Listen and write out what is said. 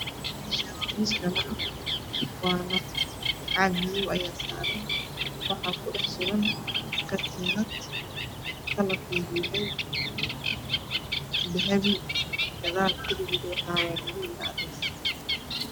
Meeshaan waa miis dhalo ah caag madow ayaa saaran waxaa dhex suran katiinad kalarkeedu uu yahay dahabi gadaal darbiga waa madow iyo cadeys.